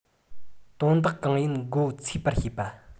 དོན དག གང ཡིན མགོ འཚོས པར བྱེད པ